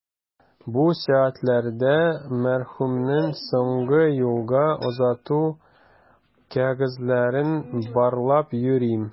Бу сәгатьләрдә мәрхүмнең соңгы юлга озату кәгазьләрен барлап йөрим.